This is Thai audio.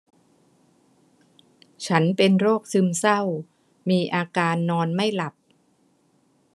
ฉันเป็นโรคซึมเศร้ามีอาการนอนไม่หลับ